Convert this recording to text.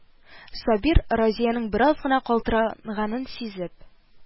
Сабир, Разиянең бераз гына калтыранганын сизеп: